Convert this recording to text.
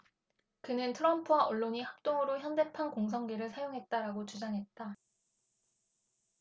그는 트럼프와 언론이 합동으로 현대판 공성계를 사용했다라고 주장했다